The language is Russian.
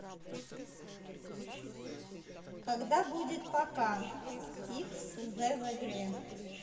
когда будет пока x the в игре